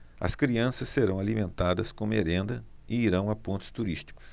as crianças serão alimentadas com merenda e irão a pontos turísticos